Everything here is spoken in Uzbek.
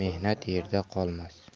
ham mehnat yerda qolmas